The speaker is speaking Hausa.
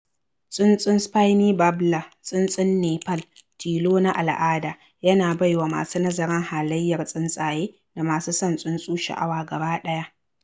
Tsuntsun Spiny Babbler, tsuntsun Nepal tilo na al'ada, yana bai wa masu nazarin halayyar tsuntsaye da masu son tsuntsu sha'awa gabaɗaya.